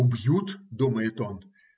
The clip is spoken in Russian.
"Убьют!" - думает он.